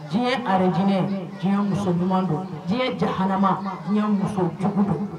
Diɲɛ alijinɛ , diɲɛ muso ɲuman don . Diɲɛ jahanama, diɲɛ muso jugu don.